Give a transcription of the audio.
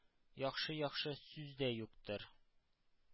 — яхшы, яхшы, сүз дә юктыр,